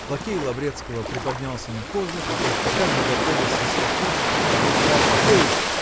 лакей Лаврецкого приподнялся на козлах и, как бы готовясь соскочить, закричал: "Гей!".